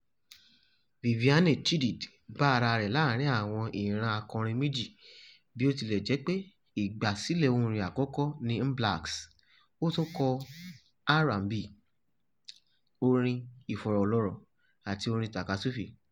Viviane Chidid bá ara rẹ̀ láàárín àwọn ìran akọrin méjì: bí ó tilẹ̀ jẹ́ pé ìgbàsílẹ̀ ohùn rẹ̀ àkọ́kọ́ ni Mbalax, ó tún ń kọ R&B, orin ìfọ̀rọ̀lọ́rọ̀ àti orin tàkasúfèé.